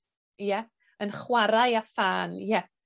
ie, yn chwarae â thân, ie.